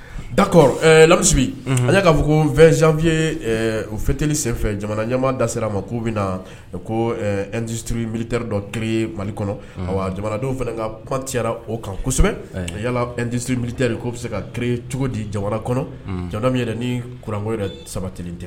Da kɔrɔmibi a y'a'a fɔ ko fɛn zfiye fitirieli senfɛ jamana ɲa da sera a ma k'o bɛ na kotsuru miirite dɔ ki mali kɔnɔ jamanadenw fana katiyara o kan kosɛbɛ a yalatsuru mini' bɛ se ka ki cogo di jamana kɔnɔ jamana min yɛrɛ ni kurangoko yɛrɛ sabati tɛ